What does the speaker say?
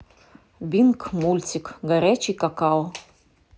бинг мультик горячий какао